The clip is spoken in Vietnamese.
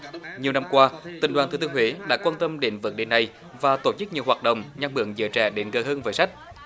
nhiều năm qua tỉnh đoàn thừa thiên huế đã quan tâm đến vấn đề này và tổ chức nhiều hoạt động nhằm hướng giới trẻ đến gần hơn với sách